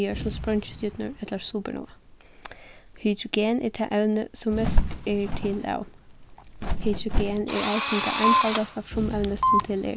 dagar sum spreingistjørnur ella supernova hydrogen er tað evnið sum mest er til av hydrogen er eisini tað einfaldasta frumevnið sum til er